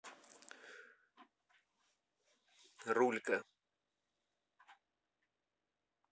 рулька